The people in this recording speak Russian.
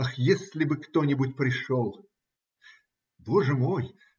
Ах, если бы кто-нибудь пришел! Боже мой!